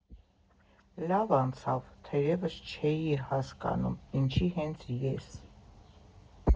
Լավ անցավ, թեև չէի հասկանում՝ ինչի հենց ես։